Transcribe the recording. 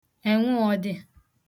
ènwọọ̀dị